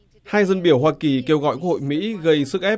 hai dân biểu hoa kỳ kêu gọi hội mỹ gây sức ép